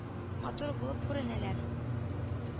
Матур булып күренәләр.